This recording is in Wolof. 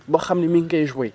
boo xam ni mi ngi koy joué